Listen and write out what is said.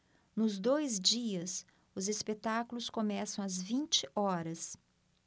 nos dois dias os espetáculos começam às vinte horas